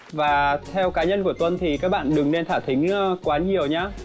và theo cá nhân của tuân thì các bạn đừng nên thả thính a quá nhiều nhá